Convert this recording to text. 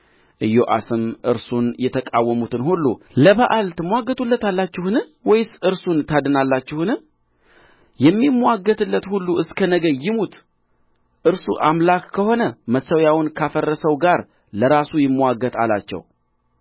ኢዮአስም እርሱን የተቃወሙትን ሁሉ ለበኣል ትምዋገቱለታላችሁን ወይስ እርሱን ታድናላችሁን የሚምዋገትለት ሁሉ እስከ ነገ ይሙት እርሱ አምላክ ከሆነ መሠዊያውን ካፈረሰው ጋር ለራሱ ይምዋገት አላቸው